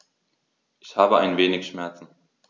Ich habe ein wenig Schmerzen.